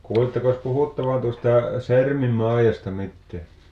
kuulittekos puhuttavan tuosta Sermi-Maijasta mitään